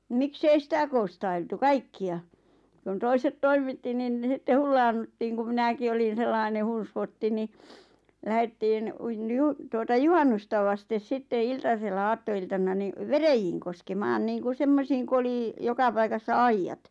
miksi ei sitä konstailtu kaikkia kun toiset toimitti niin sitten hullaannuttiin kun minäkin olin sellainen hunsvotti niin lähdettiin -- tuota juhannusta vasten sitten iltasella aattoiltana niin veräjiin koskemaan niin kun semmoisiin kun oli joka paikassa aidat